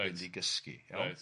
...fynd i gysgu, iawn? Reit.